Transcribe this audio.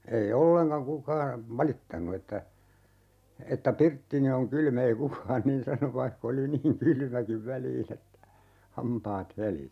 ei ollenkaan kukaan valittanut että että pirttini on kylmä ei kukaan niin sanonut vaikka oli niin kylmäkin väliin että hampaat helisi